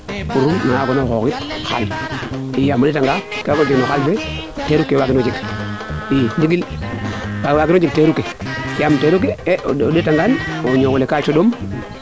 pour mi na wagoona xoxit yaam o ndeeta ngaan ka foge no xalis fee teeru ke waagano jegit i ndingil nda wagiro jege teen tigyaam teeru ke o ndeeta ngaan o ñowole kaa ɗom